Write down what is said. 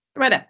Shwmae de?